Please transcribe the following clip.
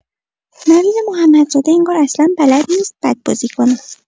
نوید محمدزاده انگار اصلا بلد نیست بد بازی کنه.